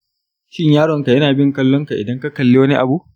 shin yaronka yana bin kallon ka idan ka kalli wani abu?